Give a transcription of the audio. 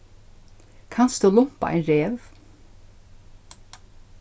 kanst tú lumpa ein rev